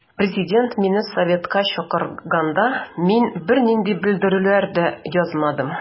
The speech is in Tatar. Президент мине советка чакырганда мин бернинди белдерүләр дә язмадым.